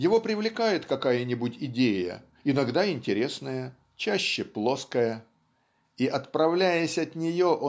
Его привлекает какая-нибудь идея - иногда интересная, чаще плоская и отправляясь от нее